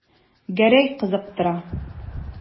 Гәрәй кызыктыра.